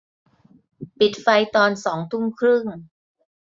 ปิดไฟตอนสองทุ่มครึ่ง